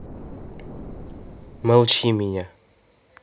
молчи меня